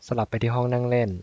สลับไปที่ห้องนั่งเล่น